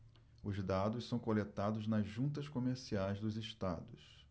os dados são coletados nas juntas comerciais dos estados